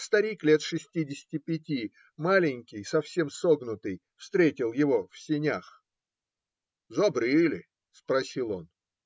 Старик лет шестидесяти пяти, маленький, совсем согнутый, встретил его в сенях. - Забрили? - спросил он.